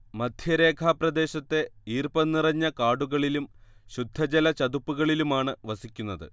മധ്യരേഖാപ്രദേശത്തെ ഈർപ്പം നിറഞ്ഞ കാടുകളിലും ശുദ്ധജലചതുപ്പുകളിലുമാണ് വസിക്കുന്നത്